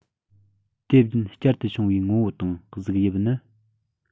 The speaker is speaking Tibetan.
དེ བཞིན བསྐྱར དུ བྱུང བའི ངོ བོ དང གཟུགས དབྱིབས ནི